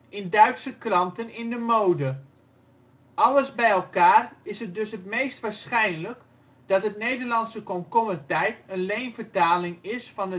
in Duitse kranten in de mode. Alles bij elkaar is het dus het meest waarschijnlijk dat het Nederlandse komkommertijd een leenvertaling is van